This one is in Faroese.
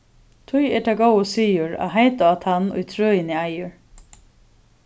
tí er tað góður siður at heita á tann ið trøini eigur